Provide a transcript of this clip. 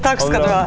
takk skal du ha.